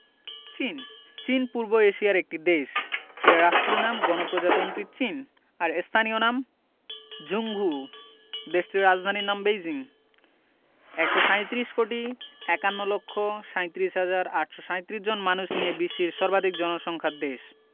চীনঃ চীন পূর্ব এশিয়ার একটি দেশ এর রাষ্ট্রীয় নাম গণপ্রজাতন্ত্রী চীন আর স্থানীয় নাম ঝুংঘু দেশটির রাজধানীর নাম বেইজিং ১৩৭ কোটি ৫১ লক্ষ ৩৭ হাজার ৮৩৭ জন মানুষ নিয়ে বিশ্বের সর্বাধিক জনসংখ্যার দেশ